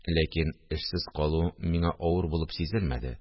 Ләкин эшсез калу миңа авыр булып сизелмәде